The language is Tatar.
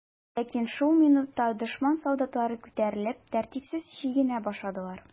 Ләкин шул минутта дошман солдатлары күтәрелеп, тәртипсез чигенә башладылар.